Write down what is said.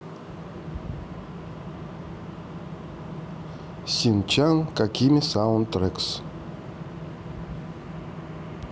синчан какими soundtracks